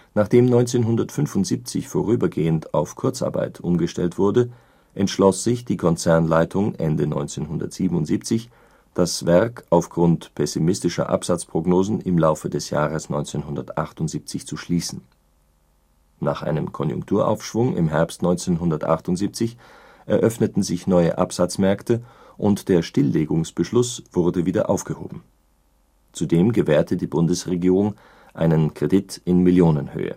Nachdem 1975 vorübergehend auf Kurzarbeit umgestellt wurde, entschloss sich die Konzernleitung Ende 1977, das Werk aufgrund pessimistischen Absatzprognosen im Laufe des Jahre 1978 zu schließen. Nach einem Konjunkturaufschung im Herbst 1978 eröffneten sich neue Absatzmärkte und der Stilllegungsbeschluss wurde wieder aufgehoben. Zudem gewährte die Bundesregierung eine Kredit in Millionenhöhe